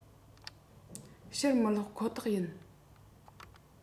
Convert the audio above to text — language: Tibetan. ཕྱིར མི བསློག ཁོ ཐག ཡིན